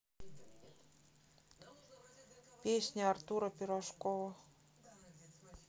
песня артура пирожкова